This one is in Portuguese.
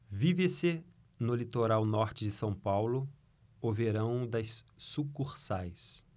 vive-se no litoral norte de são paulo o verão das sucursais